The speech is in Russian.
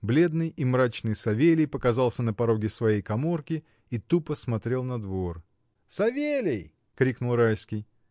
Бледный и мрачный Савелий показался на пороге своей каморки и тупо смотрел на двор. — Савелий! — кликнул Райский.